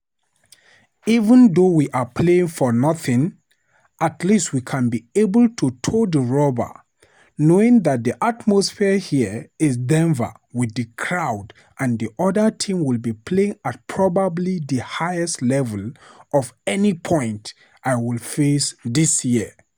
"Even though we're playing for nothing, at least we can be able to toe the rubber knowing that the atmosphere here in Denver with the crowd and the other team would be playing at probably the highest level of any point I would face this year.